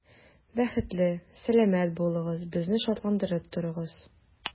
Бәхетле, сәламәт булыгыз, безне шатландырып торыгыз.